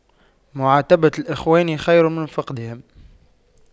معاتبة الإخوان خير من فقدهم